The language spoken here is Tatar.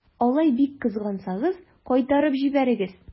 Алай бик кызгансагыз, кайтарып җибәрегез.